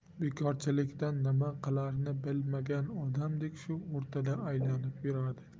bekorchilikdan nima qilarini bilmagan odamdek shu o'rtada aylanib yurardi